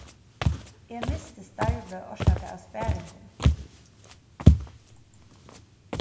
eg misti starvið orsakað av sparingum